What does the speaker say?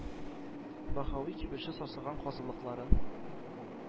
Баһави кибетче сасыган казылыкларын